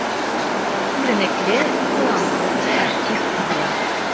Күренекле, талантлы артистка була.